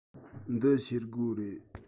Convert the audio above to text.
འདི ཤེལ སྒོ རེད